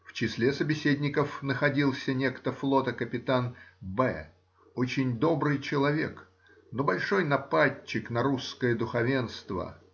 В числе собеседников находился некто флота-капитан Б. , очень добрый человек, но большой нападчик на русское духовенство.